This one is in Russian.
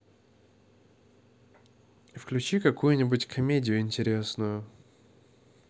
включи какую нибудь комедию интересную